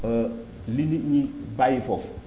li nit ñiy bàyyi foofu